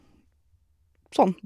Sånn...